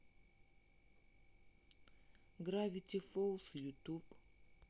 гравити фолс ютуб